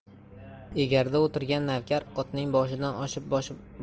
egarda o'tirgan navkar otning boshidan oshib